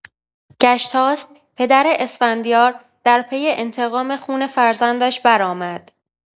گشتاسپ، پدر اسفندیار، در پی انتقام خون فرزندش برآمد.